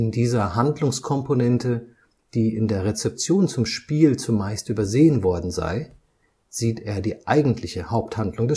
dieser Handlungskomponente, die in der Rezeption zum Spiel zumeist übersehen worden sei, sieht er die eigentliche Haupthandlung